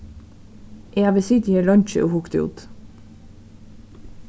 eg havi sitið her leingi og hugt út